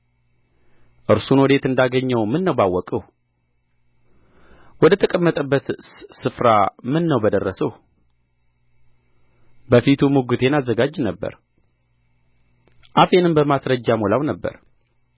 እርሱን ወዴት እንዳገኘው ምነው ባወቅሁ ወደ ተቀመጠበትስ ስፍራ ምነው በደረስሁ በፊቱ ሙግቴን አዘጋጅ ነበር አፌንም በማስረጃ እሞላው ነበር